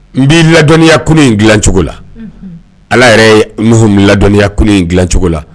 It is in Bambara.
N bɛ ladɔnniya kunun in dilacogo la ala yɛrɛ mu ladɔniya in dilacogo la